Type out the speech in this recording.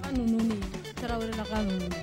N i tarawele ka'a